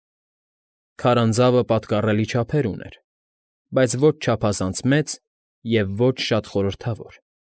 Քարանձավը պատկառելի չափսեր ուներ, բայց ոչ չափազանց մեծ և ոչ շատ խորհրդավոր։